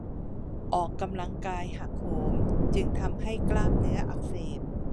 ออกกำลังกายหักโหมจึงทำให้กล้ามเนื้ออักเสบ